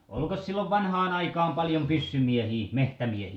olikos silloin vanhaan aikaan paljon pyssymiehiä metsämiehiä